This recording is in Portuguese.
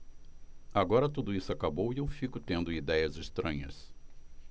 agora tudo isso acabou e eu fico tendo idéias estranhas